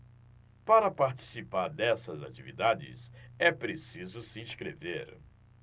para participar dessas atividades é preciso se inscrever